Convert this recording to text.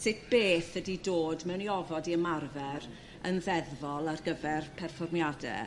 sut beth ydi dod mewn i ofod i ymarfer yn ddeddfol ar gyfer perfformiade